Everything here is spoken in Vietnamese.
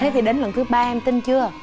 thế thì đến lần thứ ba em tin chưa